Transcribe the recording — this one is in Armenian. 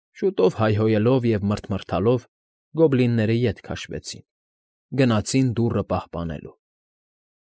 Շուտով, հայհոյելով և մռթմռթալով, գոբլինները ետ քաշվեցին, գնացին դուռը պահպանելու։